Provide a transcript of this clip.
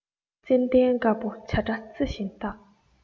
ཙནྡན དཀར པོ བྱ བྲ རྩི བཞིན བཏགས